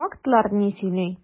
Фактлар ни сөйли?